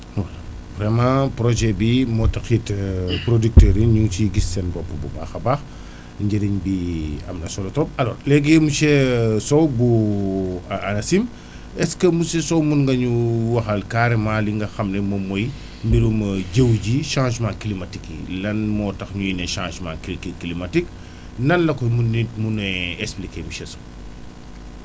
vraiment projet bii moo taxit producteurs yi ñu ngi ciy gis seen bopp bu baax a baax njëriñ bi am na solo trop alors léegi monsieur Sow bu bu ANACIM est ce que monsieur Sow mën nga ñu waxal carrémént li nga xam ne moom mooy mbirum jiw ji changement climatique yi lan moo tax ñuy ne changement cli cli climatique nan la ko mu nit mu nee expliqué monsieur Sow